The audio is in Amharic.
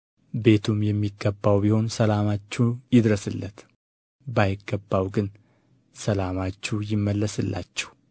ቤቱም የሚገባው ቢሆን ሰላማችሁ ይድረስለት ባይገባው ግን ሰላማችሁ ይመለስላችሁ